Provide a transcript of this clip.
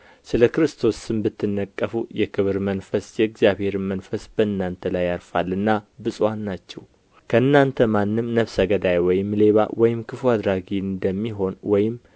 ስለ ክርስቶስ ስም ብትነቀፉ የክብር መንፈስ የእግዚአብሔር መንፈስ በእናንተ ላይ ያርፋልና ብፁዓን ናችሁ ከእናንተ ማንም ነፍሰ ገዳይ ወይም ሌባ ወይም ክፉ አድራጊ እንደሚሆን ወይም